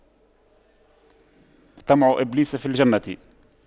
طمع إبليس في الجنة